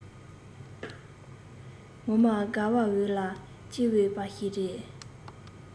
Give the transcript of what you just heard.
ངོ མ དགའ འོས ལ སྐྱིད འོས པ ཞིག རེད